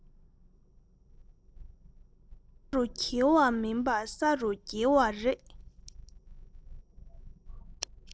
ས རུ འགྱེལ བ མིན པར ས རུ བསྒྱེལ བ རེད